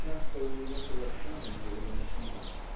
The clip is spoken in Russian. часто у него совершенно невыносима